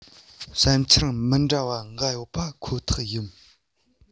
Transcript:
བསམ འཆར མི འདྲ བ འགའ ཡོད པ ཁོ ཐག ཡིན